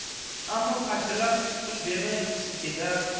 ammo pashshalar tutqich bermay uchib ketar